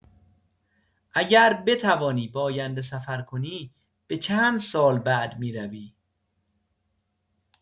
اگر بتوانی به آینده سفر کنی به چند سال بعد می‌روی؟